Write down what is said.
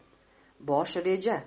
bosh reja